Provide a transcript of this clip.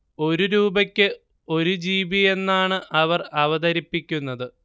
ഒരു രൂപയ്ക്ക് ഒരു ജിബിയെന്നാണ് അവർ അവതരിപ്പിക്കുന്നത്